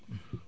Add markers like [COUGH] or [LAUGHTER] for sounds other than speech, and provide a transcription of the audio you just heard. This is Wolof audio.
[HESITATION] [HESITATION]